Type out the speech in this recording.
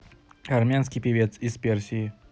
армянский певец из персии